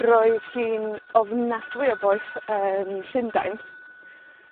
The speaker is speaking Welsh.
roedd hi'n ofnadwy o boeth yn Llundain.